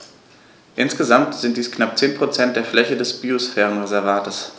Insgesamt sind dies knapp 10 % der Fläche des Biosphärenreservates.